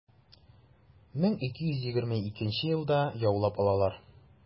1221 елларда яулап алалар.